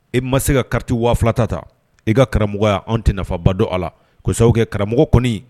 E ma se ka carte 2000 ta ta, e ka karamɔgɔya, an tɛ nafa ba dɔn a la ko sababu kɛ karamɔgɔ kɔni